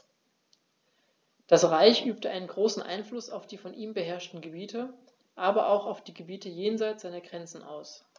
Das Reich übte einen großen Einfluss auf die von ihm beherrschten Gebiete, aber auch auf die Gebiete jenseits seiner Grenzen aus.